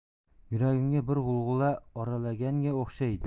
yuragimga bir g'ulg'ula oralaganga o'xshaydi